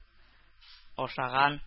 Ашаган